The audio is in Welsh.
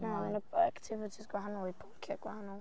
Na mae 'na activities gwahanol i pwnciau gwahanol.